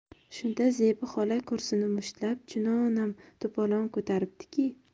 shunda zebi xola kursini mushtlab chunonam to'polon ko'taribdiki